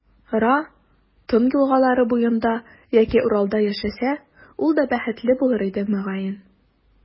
Ра, Тын елгалары буенда яки Уралда яшәсә, ул да бәхетле булыр иде, мөгаен.